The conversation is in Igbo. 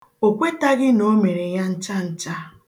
O kwetaghị na o mere ya ncha ncha